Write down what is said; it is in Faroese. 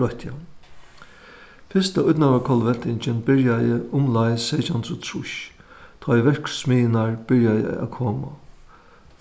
broytti hann fyrsta ídnaðarkollveltingin byrjaði umleið seytjan hundrað og trýss tá ið verksmiðjurnar byrjaði at koma